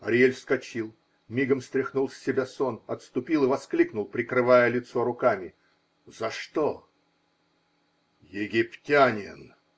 Ариэль вскочил, мигом стряхнул с себя сон, отступил и воскликнул, прикрывая лицо руками: -- За что? -- Египтянин!